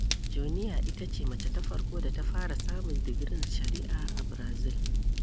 A 1997, Joenia Wapichana ta zama mace ta farko 'yar asalin yankin a Barazil wadda ta fara samun digiri a Shari'a.